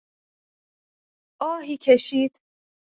آهی کشید.